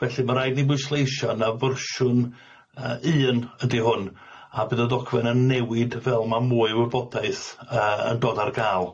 Felly ma' raid ni bwysleisio na fersiwn y- un ydi hwn a bydd y ddogfen yn newid fel ma' mwy o wybodaeth y- yn dod ar gal.